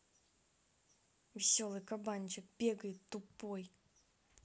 веселый кабанчик бегает тупой